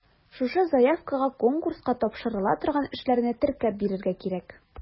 Шушы заявкага конкурска тапшырыла торган эшләрне теркәп бирергә кирәк.